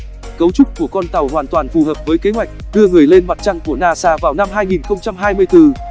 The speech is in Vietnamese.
cấu trúc của con tàu hoàn toàn phù hợp với kế hoạch đưa người lên mặt trăng của nasa vào năm